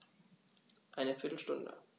Eine viertel Stunde